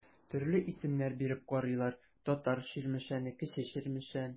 Төрле исемнәр биреп карыйлар: Татар Чирмешәне, Кече Чирмешән.